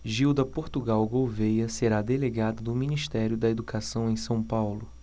gilda portugal gouvêa será delegada do ministério da educação em são paulo